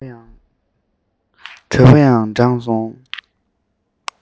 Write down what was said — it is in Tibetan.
གྲོད པ ཡང འགྲངས སོང